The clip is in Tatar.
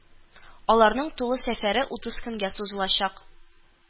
Аларның тулы сәфәре утыз көнгә сузылачак